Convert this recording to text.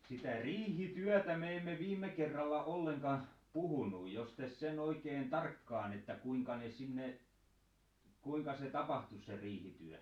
sitä riihityötä me emme viime kerralla ollenkaan puhunut jos te sen oikein tarkkaan että kuinka ne sinne kuinka se tapahtui se riihityö